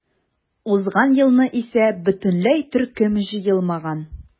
Узган елны исә бөтенләй төркем җыелмаган.